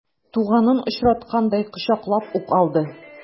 Туганын очраткандай кочаклап ук алды.